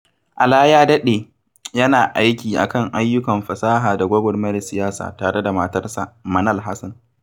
Alaa ya daɗe yana aiki a kan ayyukan fasaha da gwagwarmayar siyasa tare da matarsa, Manal Hassan.